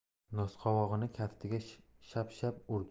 nosqovog'ini kaftiga shapshap urdi